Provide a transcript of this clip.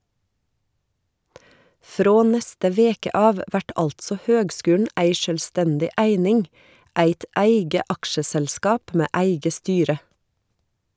Frå neste veke av vert altså høgskulen ei sjølvstendig eining, eit eige aksjeselskap med eige styre.